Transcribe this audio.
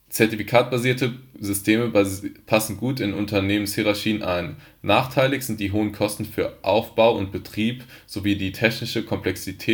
Zertifikatbasierte Systeme passen sich gut in Unternehmenshierarchien ein. Nachteilig sind die hohen Kosten für Aufbau und Betrieb sowie die technische Komplexität